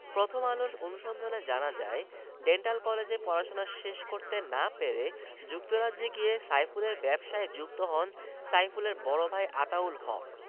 প্রথম আলোর অনুসন্ধানে জানা যায় ডেন্টাল কলেজে পড়াশোনা শেষ করতে না পেরে যুক্তরাজ্যে গিয়ে সাইফুলের ব্যবসায় যুক্ত হন সাইফুলের বড় ভাই আতাউল হক